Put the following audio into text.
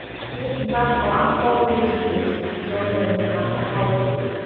Ọ na-ewe mgbakọakaọnụ dị n'etiti gọọmentị na ọha obodo.